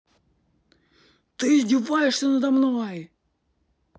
ты издеваешься надо мной